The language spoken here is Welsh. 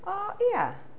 O ia.